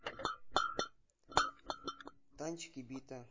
танчики бита